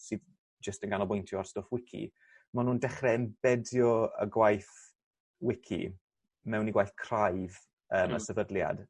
sydd jyst yn ganolbwyntio ar stwff wici ma' nw'n dechre embedio y gwaith wici mewn i gwaith craidd yym y sefydliad.